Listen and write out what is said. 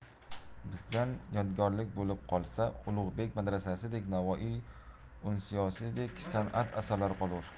bizdan yodgorlik bo'lib qolsa ulug'bek madrasasidek navoiy unsiyasidek sanat asarlari qolur